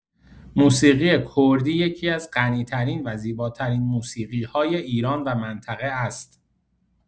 موسیقی کردی یکی‌از غنی‌ترین و زیباترین موسیقی‌‌های ایران و منطقه است.